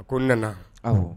A ko n nana